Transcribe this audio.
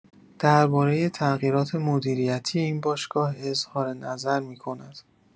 درباره تغییرات مدیریتی این باشگاه اظهارنظر می‌کند.